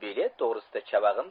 bilet to'g'risida chavag'im